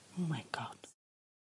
Oh my God.